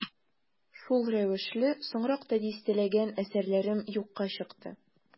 Шул рәвешле соңрак та дистәләгән әсәрләрем юкка чыкты.